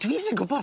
Dwi isie gwbo.